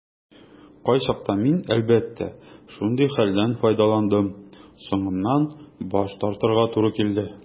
Кайчакта мин, әлбәттә, шундый хәлдән файдаландым - соңыннан баш тартырга туры килде.